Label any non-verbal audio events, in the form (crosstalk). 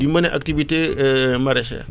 di mener activité (hesitation) maraicher